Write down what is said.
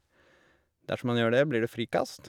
Dersom man gjør det blir det frikast.